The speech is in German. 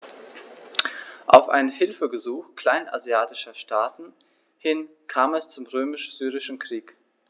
Auf ein Hilfegesuch kleinasiatischer Staaten hin kam es zum Römisch-Syrischen Krieg.